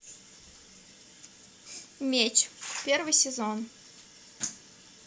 меч первый сезон